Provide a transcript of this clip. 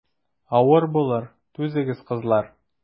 Авыр булыр, түзегез, кызлар.